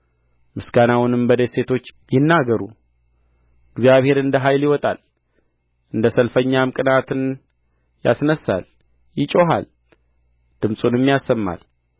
ምስጋናውንም በደሴቶች ይናገሩ እግዚአብሔር እንደ ኃያል ይወጣል እንደ ሰልፈኛም ቅንዓትን ያስነሣል ይጮኻል ድምፁንም ያሰማል